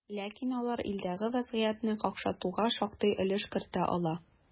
Ләкин алар илдәге вазгыятьне какшатуга шактый өлеш кертә ала.